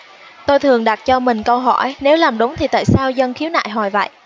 tôi thường đặt cho mình câu hỏi nếu làm đúng thì tại sao dân khiếu nại hoài vậy